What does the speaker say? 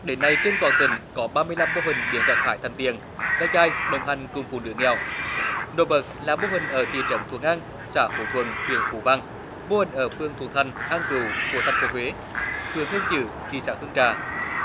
đến nay trên toàn tỉnh có ba mươi lăm mô hình biến rác thải thành tiền ve chai đồng hành cùng phụ nữ nghèo nổi bật là mô hình ở thị trấn thuận an xã phú thuận huyện phú vang mô hình ở phường thủ thành an cựu của thành phố huế phường hương chữ thị xã hương trà